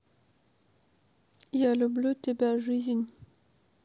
я люблю тебя жизнь